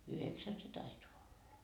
yhdeksän se taitaa olla